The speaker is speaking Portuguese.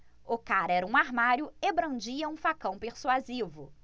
o cara era um armário e brandia um facão persuasivo